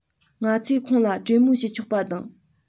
ང ཚོས ཁོང ལ གྲོས མོལ བྱེད ཆོག པ དང